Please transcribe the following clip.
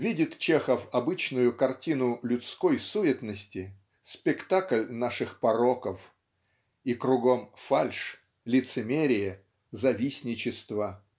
видит Чехов обычную картину людской суетности спектакль наших пороков и кругом фальшь лицемерие завистничество